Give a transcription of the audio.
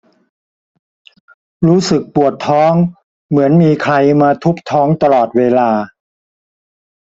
รู้สึกปวดท้องเหมือนมีใครมาทุบท้องตลอดเวลา